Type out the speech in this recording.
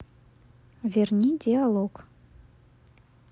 верни диалог